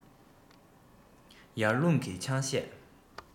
ཡར ཀླུང གིས ཆང གཞས